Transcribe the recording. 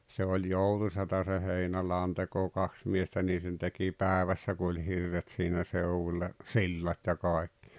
se oli joutuisaa - se heinäladonteko kaksi miestä niin sen teki päivässä kun oli hirret siinä seudulla sillat ja kaikki